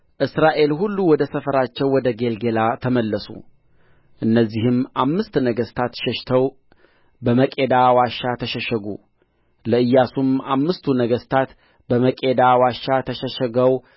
እስራኤል ሁሉ ወደ ሰፈራቸው ወደ ጌልገላ ተመለሱ እነዚህም አምስት ነገሥታት ሸሽተው በመቄዳ ዋሻ ተሸሸጉ ለኢያሱም አምስቱ ነገሥታት በመቄዳ ዋሻ ተሸሽገው